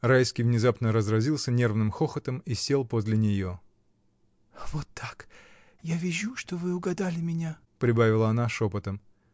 Райский внезапно разразился нервным хохотом и сел подле нее. — Вот так! Я вижю, что вы угадали меня. — прибавила она шепотом.